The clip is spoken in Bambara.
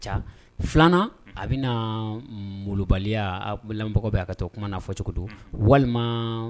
Filanan a bɛna malobaliya bilalanbagaw bɛ a ka to kuma fɔ cogo don walima